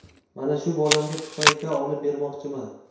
mana shu bolamga pufayka olib bermoqchiman